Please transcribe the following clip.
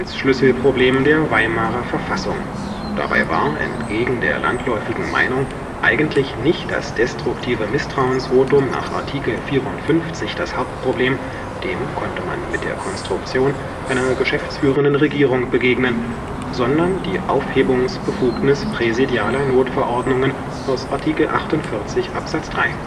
Schlüsselproblem der Weimarer Verfassung. Dabei war, entgegen der landläufigen Meinung, eigentlich nicht das destruktive Misstrauensvotum (Art. 54) das Hauptproblem – dem konnte man mit der Konstruktion einer geschäftsführenden Regierung begegnen –, sondern die Aufhebungsbefugnis präsidialer Notverordnungen (Art. 48, Abs. 3